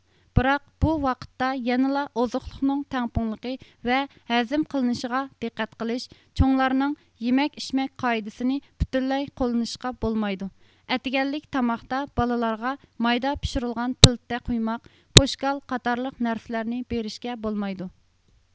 بىراق بۇ ۋاقىتتا يەنىلا ئوزۇقلۇقنىڭ تەڭپۇڭلۇقى ۋە ھەزىم قىلىنىشىغا دىققەت قىلىش چوڭلارنىڭ يېمەك ئىچمەك قائىدىسىنى پۈتۈنلەي قوللىنىشقا بولمايدۇ ئەتىگەنلىك تاماقتا بالىلارغا مايدا پىشۇرۇلغان پىلتە قۇيماق پوشكال قاتارلىق نەرسىلەرنى بېرىشكە بولمايدۇ